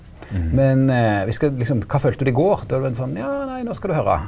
men viss skal liksom, kva følte du i går, då blir det ein sånn ja nei, no skal du høyra.